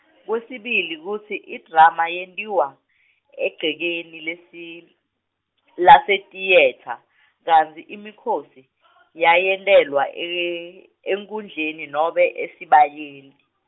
kwesibili kutsi idrama yentiwa egcekeni lesi- lasetiyetha kantsi imikhosi yayentelwa eke- enkhundleni nobe esibayeni.